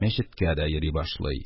Мәчеткә дә йөри башлый.